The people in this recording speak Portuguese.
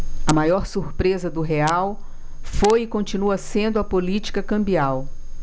a maior surpresa do real foi e continua sendo a política cambial